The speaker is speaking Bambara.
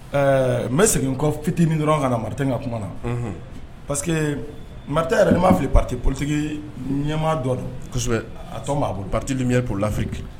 Ɛɛ n bɛ segin kɔ fitinin dɔrɔn ka na Martin ka kuma na. Unhun. parce que Martin yɛrɛ ni n ma fili parti ɲɛmaa dɔ don. Kosɛ! A tɔn b'a bolo. Parti Lumière pour l'Afrique